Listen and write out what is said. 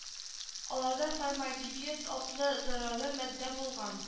Аларда формальдигид атлы зарарлы матдә булган